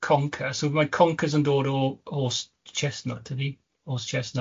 Conker, so mae conkers yn dod o o s- chestnut ydy, o chestnu'?